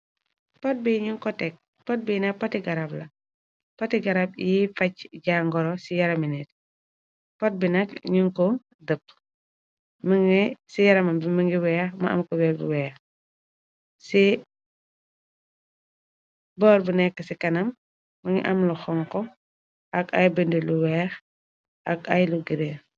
Pot bi ñu ko tekk, pot bi nak poti garab yiy facc ja ngoro ci yaraminit. Pot bi nak ñu ko dëpp , mëngi ci yarama bi mingi weex mu am ko beer bu weex , ci boor bu nekk ci kanam mu ngi am la xonko ak ay bindi lu weex ak ay lu gire.